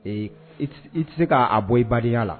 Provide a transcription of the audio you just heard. Ee i tɛ se k'a bɔ i barikaya la